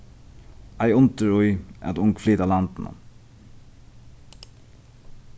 ei undur í at ung flyta av landinum